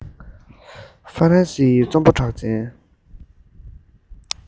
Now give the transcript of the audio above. ཧྥ རན སིའི རྩོམ པ པོ གྲགས ཅན